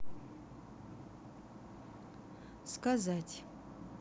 сказать